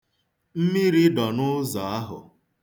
Mmiri dọ n'ụzọ ahụ.